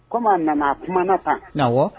Koman a nana kuma kan na